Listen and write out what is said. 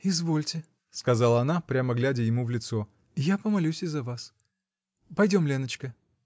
-- Извольте, -- сказала она, прямо глядя ему в лицо, -- я помолюсь и за вас. Пойдем, Леночка.